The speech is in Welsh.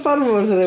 Ffarmwrs yn...